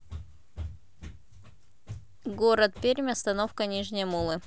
город пермь остановка нижние муллы